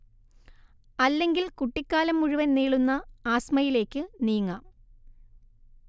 അല്ലെങ്കിൽ കുട്ടിക്കാലം മുഴുവൻ നീളുന്ന ആസ്മയിലേക്ക് നീങ്ങാം